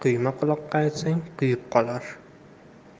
quyma quloqqa aytsang quyib olar